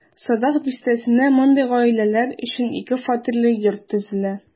Садак бистәсендә мондый гаиләләр өчен ике фатирлы ике йорт төзелә.